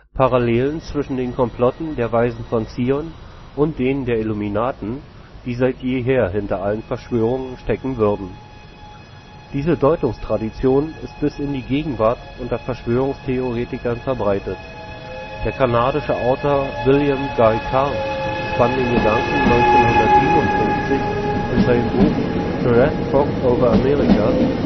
Parallelen zwischen den Komplotten der „ Weisen von Zion “und denen der Illuminaten, die seit jeher hinter allen Verschwörungen stecken würden. Diese Deutungstradition ist bis in die Gegenwart unter Verschwörungstheoretikern verbreitet: Der kanadische Autor William Guy Carr spann den Gedanken 1957 in seinem Buch The Red Fog Over America